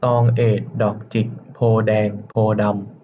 ตองเอดดอกจิกโพธิ์แดงโพธิ์ดำ